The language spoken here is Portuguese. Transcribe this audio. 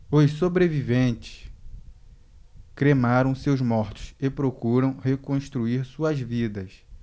os sobreviventes cremaram seus mortos e procuram reconstruir suas vidas